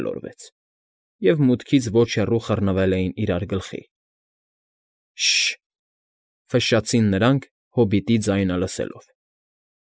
Գլորվեց, և մուքից ոչ հեռու խռնվել էին իրար գլխի։ ֊ Շը՜շ֊շ… ֆշշացին նրանք՝ հոբիտի ձայնը լսելով։